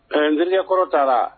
Ɛɛ terikɛkɔrɔ taara